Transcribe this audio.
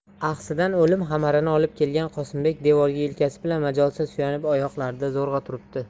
axsidan o'lim xabarini olib kelgan qosimbek devorga yelkasi bilan majolsiz suyanib oyoqlarida zo'rg'a turibdi